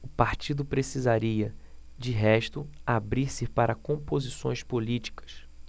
o partido precisaria de resto abrir-se para composições políticas